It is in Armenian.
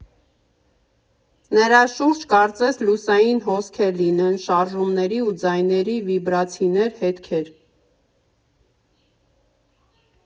Նրա շուրջ կարծես լուսային հոսքեր լինեն, շարժումների ու ձայների վիբրացիներ, հետքեր։